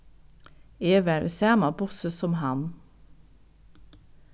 eg var í sama bussi sum hann